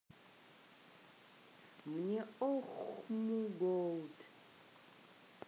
мне oohmygod